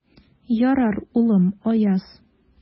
Ярар, улым, Аяз.